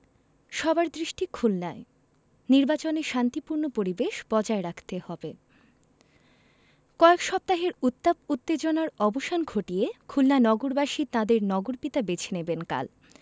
সবার দৃষ্টি খুলনায় নির্বাচনে শান্তিপূর্ণ পরিবেশ বজায় রাখতে হবে কয়েক সপ্তাহের উত্তাপ উত্তেজনার অবসান ঘটিয়ে খুলনা নগরবাসী তাঁদের নগরপিতা বেছে নেবেন কাল